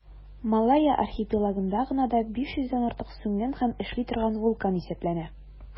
Малайя архипелагында гына да 500 дән артык сүнгән һәм эшли торган вулкан исәпләнә.